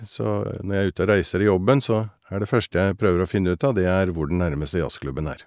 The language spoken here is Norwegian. Så når jeg er ute og reiser i jobben så er det første jeg prøver å finne ut av, det er hvor den nærmeste jazzklubben er.